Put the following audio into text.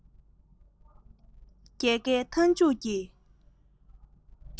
རྒྱལ ཁའི མཐའ མཇུག གི